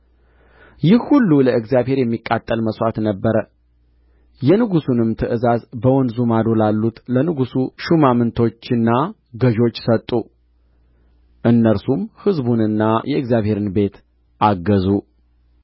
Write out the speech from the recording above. ይህ ሁሉ ለእግዚአብሔር የሚቃጠል መሥዋዕት ነበረ የንጉሡንም ትእዛዝ በወንዙ ማዶ ላሉት ለንጉሡ ሹማምቶችና ገዦች ሰጡ እነርሱም ሕዝቡንና የእግዚአብሔርን ቤት አገዙ